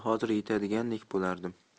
hozir yetadigandek bo'lardim